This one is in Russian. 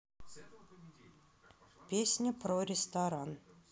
песня про ресторан